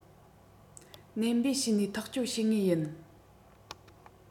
ནན པོས བྱས ནས ཐག གཅོད བྱེད ངོས ཡིན